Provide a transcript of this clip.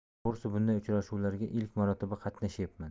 to'g'risi bunday uchrashuvlarga ilk marotaba qatnashyapman